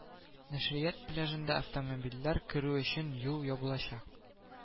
Нәшрият пляжында автомобильләр керү өчен юл ябылачак